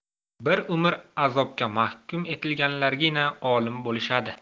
bir umr azobga mahkum etilganlargina olim bo'lishadi